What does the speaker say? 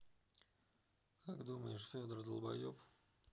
как думаешь федор долбаеб